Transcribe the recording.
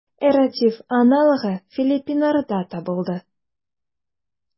Эрратив аналогы филиппиннарда табылды.